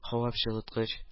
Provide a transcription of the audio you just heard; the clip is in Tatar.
Һавап җылыткыч